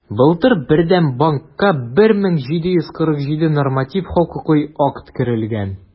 Былтыр Бердәм банкка 1747 норматив хокукый акт кертелгән.